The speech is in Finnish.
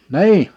niin